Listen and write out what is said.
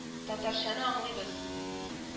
Татарчаны аңлыйбыз